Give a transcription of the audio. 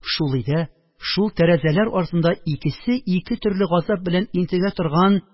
Шул өйдә, шул тәрәзәләр артында икесе ике төрле газап белән интегә торган